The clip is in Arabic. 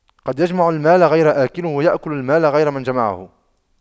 قد يجمع المال غير آكله ويأكل المال غير من جمعه